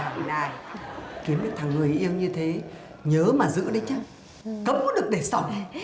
này kiếm được thằng người yêu như thế nhớ mà giữ đấy nhớ cấm có được để xổng